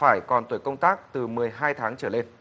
phải còn tuổi công tác từ mười hai tháng trở lên